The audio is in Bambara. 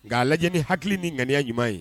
Nka a lajɛ ni hakili ni ŋani ɲuman ye